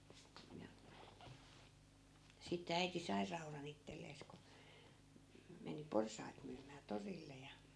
ja sitten äiti sai raudan itselleen kun - meni porsaita myymään torille ja